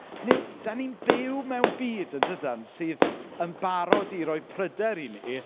Hynny yw, dan ni'n byw mewn byd, yn dydan, sydd yn barod i roi pryder i ni.